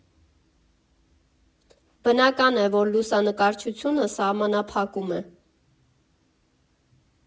Բնական է, որ լուսանկարչությունը սահմանափակում է։